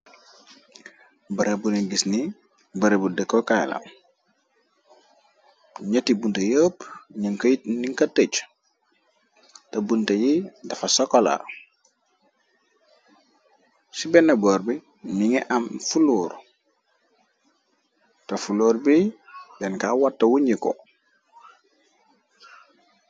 bare buni gis ni bare bu dëkkoo kaaylam ñoti bunte yepp ñënkay nika tëcc te bunte yi dafa sokola ci benn boor bi ni ngi am fuloor te fu loor bi benn ka watta wuñi ko